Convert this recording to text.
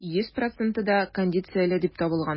Йөз проценты да кондицияле дип табылган.